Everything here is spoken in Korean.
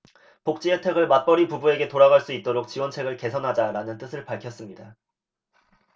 복지혜택을 맞벌이 부부에게 돌아갈 수 있도록 지원책을 개선하자 라는 뜻을 밝혔습니다